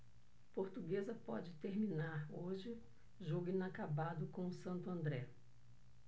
portuguesa pode terminar hoje jogo inacabado com o santo andré